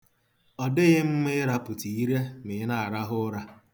Ọ dịghị mma ịrapụta ire ma ị na-arahụ ura.